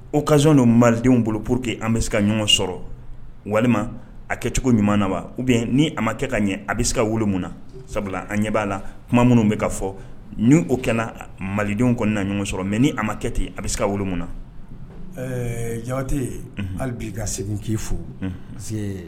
O kasɔn don malidenw bolo porour que an bɛ se ka ɲɔgɔn sɔrɔ walima a kɛcogo ɲuman naba u bɛ ni a ma kɛ ka ɲɛ a bɛ se ka wu mun na sabula an ɲɛ b'a la tuma minnu bɛ ka fɔ ni o kɛra malidenw kɔnɔna na ɲɔgɔn sɔrɔ mɛ ni a ma kɛ ten a bɛ se ka wolo munna ɛɛ ja kuyate hali bi ka segu k'i fo